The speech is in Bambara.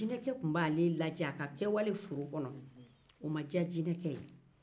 a ka kɛwla foro kɔnɔ ma diya jinɛke ye